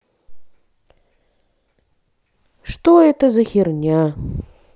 что это за херня